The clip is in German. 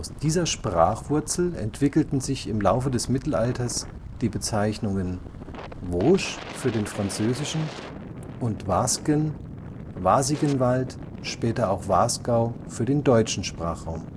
dieser Sprachwurzel entwickelten sich im Laufe des Mittelalters die Bezeichnungen Vosges für den französischen und Wasgen, Was (i) genwald, später auch Wasgau für den deutschen Sprachraum